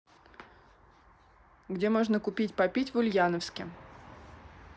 где можно купить попить в ульяновске